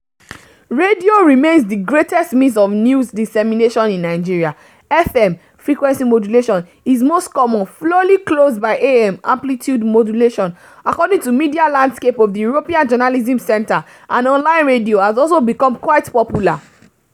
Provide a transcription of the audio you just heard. Radio remains the greatest means of news dissemination in Nigeria. FM (frequency modulation) is most common, followed closely by AM (amplitude modulation), according to Media Landscape of the European Journalism Centre — and online radio has also become quite popular.